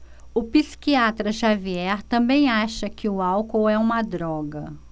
o psiquiatra dartiu xavier também acha que o álcool é uma droga